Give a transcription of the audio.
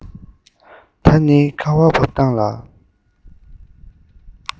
ད ནི ཁ བའི འབབ སྟངས ལ